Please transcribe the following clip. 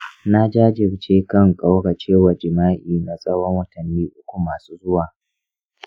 na jajirce kan kauracewa jima’i na tsawon watanni uku masu zuwa.